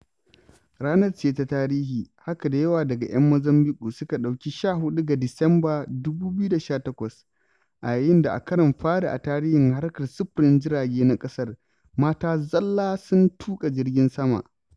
Ranar ce ta tarihi: haka da yawa daga 'yan Mozambiƙue suka ɗauki 14 ga Disamba 2018, a yayin da, a karon fari a tarihin harkar sufurin jirage na ƙasar, mata zalla sun tuƙa jirgin sama.